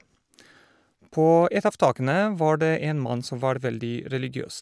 På ett av takene var det en mann som var veldig religiøs.